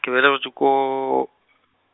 ke belegetšwe ko .